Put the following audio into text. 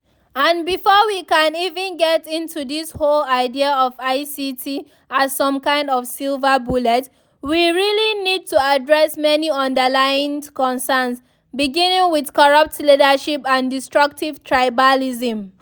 And before we can even get into this whole idea of ICT as some kind of ‘silver bullet’ we really need to address many underlying concerns, beginning with corrupt leadership and destructive tribalism.”